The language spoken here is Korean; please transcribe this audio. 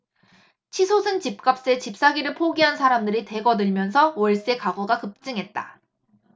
치솟은 집값에 집사기를 포기한 사람들이 대거 늘면서 월세 가구가 급증했다